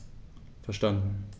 Verstanden.